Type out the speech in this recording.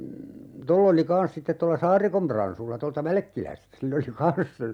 tuolla oli kanssa sitten tuolla Saarikon Pransulla tuolta Välkkilästä sillä oli kanssa